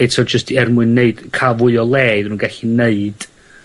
eto jyst i er mwyn neud ca'l fwy o le iddyn nw gallu neud